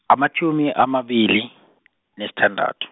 amatjhumi amabili, nesithandathu.